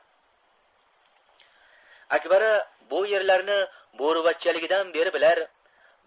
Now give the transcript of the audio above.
akbara bu yerlarni bo'rivachchaligidan beri bilar